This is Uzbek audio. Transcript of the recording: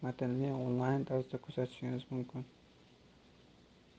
matnli onlayn tarzida kuzatishingiz mumkin